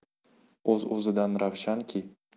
o'z o'zidan ravshanki